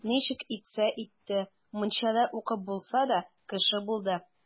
Ничек итсә итте, мунчада укып булса да, кеше булды.